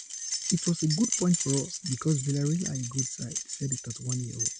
"It was a good point for us because Villarreal are a good side," said the 31-year-old.